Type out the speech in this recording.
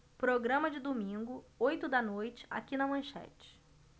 programa de domingo oito da noite aqui na manchete